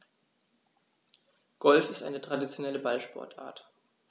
Golf ist eine traditionelle Ballsportart.